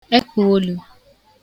ekpụ̀olu